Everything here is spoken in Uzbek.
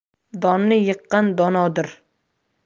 donni yiqqan donodir